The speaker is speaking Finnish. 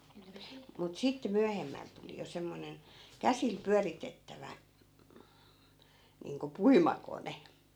mutta sitten myöhemmällä tuli jo semmoinen käsillä pyöritettävä niin kuin puimakone